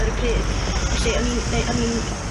ar y pryd felly oni'n, oni'n